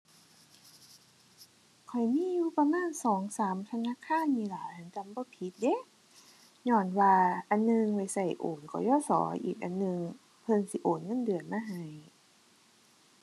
ข้อยมีอยู่ประมาณสองสามธนาคารนี่ล่ะ คันจำบ่ผิดเดะ ญ้อนว่าอันหนึ่งไว้ใช้โอน กยศ. อีกอันหนึ่งเพิ่นสิโอนเงินเดือนมาให้